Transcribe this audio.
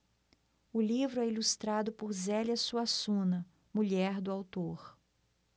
o livro é ilustrado por zélia suassuna mulher do autor